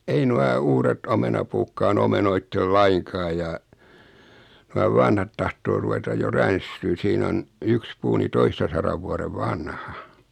ei nuo uudet omenapuutkaan omenoitse lainkaan ja nuo vanhat tahtoo ruveta jo ränsistymään siinä on yksi puu niin toistasadan vuoden vanha